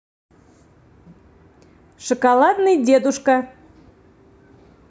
шоколадный дедушка